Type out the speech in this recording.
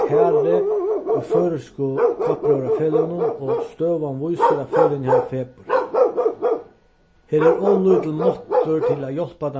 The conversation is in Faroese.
tærið í føroysku kappróðrarfeløgunum og støðan vísir at feløgini hava fepur her er ov lítil máttur til at hjálpa